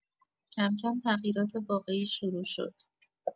کم‌کم تغییرات واقعی شروع شد.